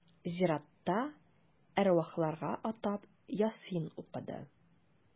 Зиратта әрвахларга атап Ясин укыды.